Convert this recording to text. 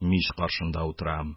Мич каршында утырам.